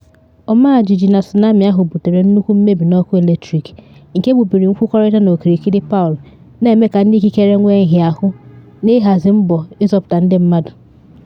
Ọmajiji na tsunami ahụ butere nnukwu mmebi n’ọkụ latrik nke gbubiri nkwukọrịta n’okirikiri Palu na eme ka ndị ikikere nwee nhịahụ na ịhazi mbọ ịzọpụta ndị mmadụ.